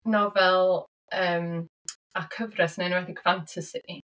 Nofel yym a cyfres, yn enwedig ffantasi.